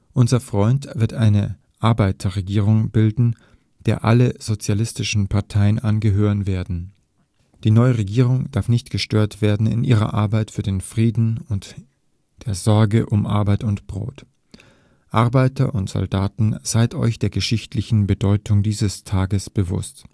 Unser Freund wird eine Arbeiterregierung bilden, der alle sozialistischen Parteien angehören werden. Die neue Regierung darf nicht gestört werden in ihrer Arbeit für den Frieden und der Sorge um Arbeit und Brot. Arbeiter und Soldaten, seid euch der geschichtlichen Bedeutung dieses Tages bewußt